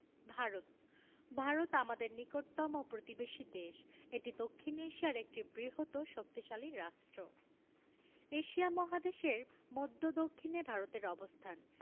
ভারত ভারত আমাদের নিকটতম প্রতিবেশী দেশ এটি দক্ষিন এশিয়ার একটি বৃহৎও শক্তিশালী রাষ্ট্র এশিয়া মহাদেশের মদ্ধ্য দক্ষিনে ভারতের অবস্থান